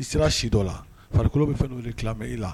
N sera si dɔ la farikolokolo bɛ fɛn de tila i la